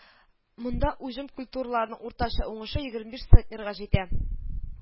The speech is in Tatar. Монда уҗым культураларының уртача уңышы егерме биш центнерга итә